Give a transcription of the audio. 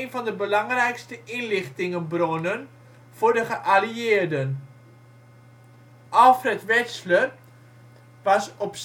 van de belangrijkste inlichtingsbronnen voor de geallieerden. Alfred Wetzler was op